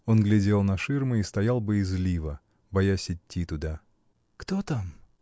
Он глядел на ширмы и стоял боязливо, боясь идти туда. — Кто там?